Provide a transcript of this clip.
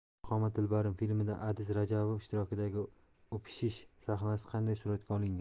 sarvqomat dilbarim filmida adiz rajabov ishtirokidagi o'pishish sahnasi qanday suratga olingan